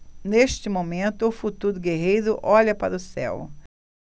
neste momento o futuro guerreiro olha para o céu